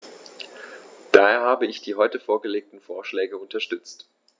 Daher habe ich die heute vorgelegten Vorschläge unterstützt.